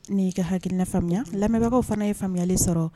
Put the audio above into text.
Ne yi ka hakilina faamuya lamɛnbagaw fana ye faamuya li sɔrɔ.